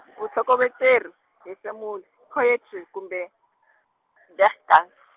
vutlhokovetseri, hefemulo, poetry kumbe, digkuns .